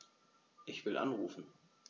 Ich will anrufen.